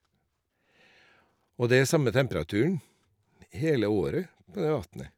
Og det er samme temperaturen hele året på det vatnet.